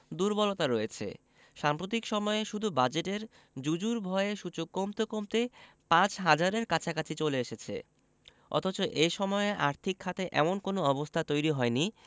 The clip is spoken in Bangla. দুর্বলতা রয়েছে সাম্প্রতিক সময়ে শুধু বাজেটের জুজুর ভয়ে সূচক কমতে কমতে ৫ হাজারের কাছাকাছি চলে এসেছে অথচ এ সময়ে আর্থিক খাতে এমন কোনো অবস্থা তৈরি হয়নি